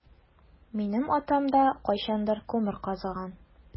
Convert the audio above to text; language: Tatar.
Минем атам да кайчандыр күмер казыган.